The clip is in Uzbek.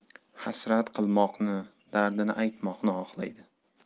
hasrat qilmoqni dardini aytmoqni xohlaydi